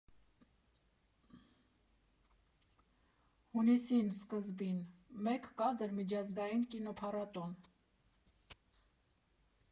Հունիսին սկզբին «Մեկ կադր» միջազգային կինոփառատոն։